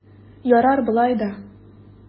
Ярар болай да!